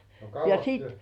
no kauankos te